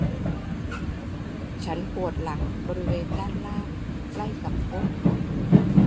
ฉันปวดหลังบริเวณด้านล่างใกล้กับก้น